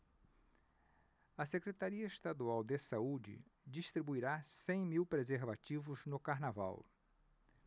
a secretaria estadual de saúde distribuirá cem mil preservativos no carnaval